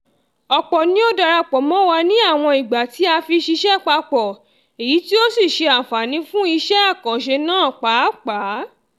Ọ̀pọ̀ ni ó darapọ̀ mọ́ wa ní àwọn ìgbà tí a fi ṣiṣẹ́ papọ̀, èyí tí ó sì ṣe àǹfààní fún iṣẹ́ àkànṣe náà pàápàá.